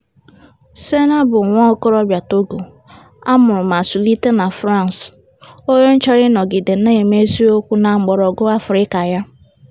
Sena bụ nwa okorobịa Togo, amụrụ ma zụlite na France, onye chọrọ ịnọgide na-eme eziokwu na mgbọrọgwụ Africa ya.